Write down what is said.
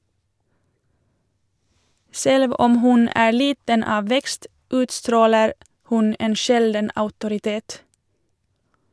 Selv om hun er liten av vekst, utstråler hun en sjelden autoritet.